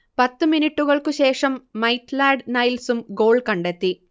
പത്ത് മിനുട്ടുകൾക്ക് ശേഷം മൈറ്റ്ലാഡ് നൈൽസും ഗോൾ കണ്ടെത്തി